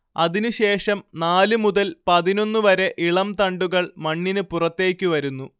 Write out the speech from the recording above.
അതിനു ശേഷം നാലു മുതൽ പതിനൊന്നു വരെ ഇളം തണ്ടുകൾ മണ്ണിനു പുറത്തേക്കു വരുന്നു